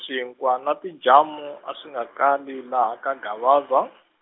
swinkwa na tijamu a swi nga kali laha ka Gavaza.